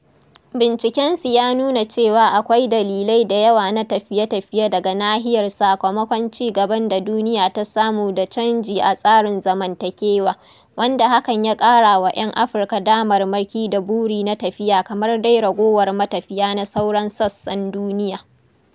Bincikensu ya nuna cewa akwai dalilai da yawa na tafiye-tafiye daga nahiyar sakamakon "cigaban da duniya ta samu da canji a tsarin zamantakewa" wanda hakan ya ƙarawa 'yan Afirka "damarmaki da buri" na tafiya - kamar dai ragowar matafiya na sauran sassan duniya.